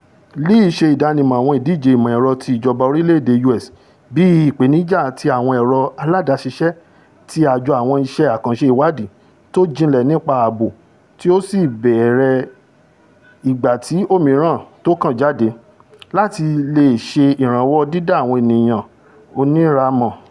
Lee ṣe ìdánimọ àwọn ìdíje ìmọ̀-ẹ̀rọ ti ìjọba orílẹ̀-èdè U.S. bíi Ìpèníjà ti Àwọn Ẹ̀rọ Aláàdáṣiṣẹ́ ti Àjọ Àwọn Ìṣẹ́ Àkànṣe Ìwáàdí tó jinlẹ̀ nípa ààbò tí ó sì bèèrè igbàti òmíràn tókàn jáde, láti leè ṣe ìrànwọ dídá àwọn ènìyàn oníran mọ̀.